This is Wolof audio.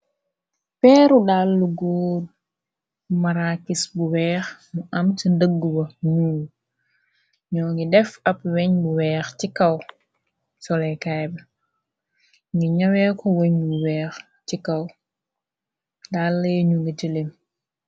Peeru daala goor marakis bu weex mu am ca ndëggu ba nuul nyu ngi def ab weñ bu weex ci kaw sole kaay bi nyu ñawee ko weñ bu weex ci kaw daali ñuga teleem.